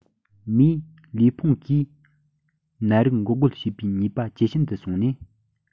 མིའི ལུས ཕུང གིས ནད རིགས འགོག རྒོལ བྱེད པའི ནུས པ ཇེ ཞན དུ སོང ནས